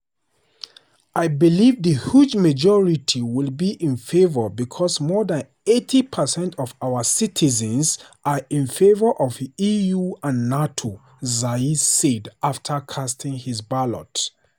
"I believe the huge majority will be in favor because more than 80 percent of our citizens are in favor of EU and NATO," Zaev said after casting his ballot.